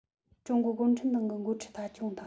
ཀྲུང གོ གུང ཁྲན ཏང གི འགོ ཁྲིད མཐའ འཁྱོངས དང